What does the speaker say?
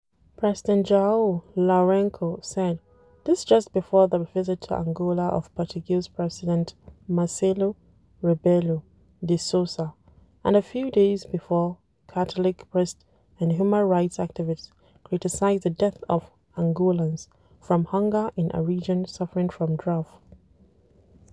President João Lourenço said this just before the visit to Angola of Portuguese President Marcelo Rebelo de Sousa, and a few days before a Catholic priest and human rights activist criticized the death of Angolans from hunger in a region suffering from drought.